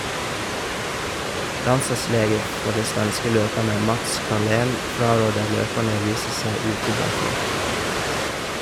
Landslagslege for de svenske løperne, Mats Carlén, fraråder løperne å vise seg ute blant folk.